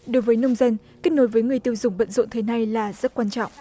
đối với nông dân kết nối với người tiêu dùng bận rộn thế này là rất quan trọng